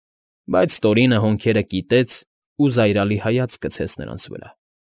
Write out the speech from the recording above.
Բայց Տորինը հոնքերը կիտեց ու զայրալի հայացք գցեց նրանց վրա։